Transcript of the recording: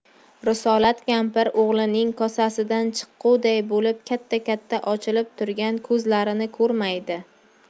risolat kampir o'g'lining kosasidan chiqquday bo'lib katta katta ochilib turgan ko'zlarini ko'rmaydi